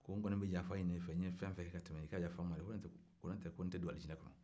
ko n kɔni bɛ yafa ɲini fɛ n ye fɛn-fɛn kɛ ka tɛmɛ i ka yafa n ma n'o tɛ n tɛ don alijinɛ kɔnɔ